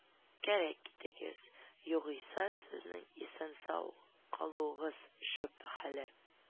Кәрәк китегез, югыйсә сезнең исән-сау калуыгыз шөбһәле